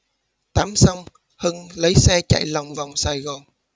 tắm xong hưng lấy xe chạy lòng vòng sài gòn